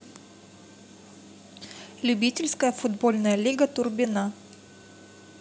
любительская футбольная лига турбина